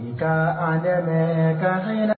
Un ka an dɛmɛn , u ka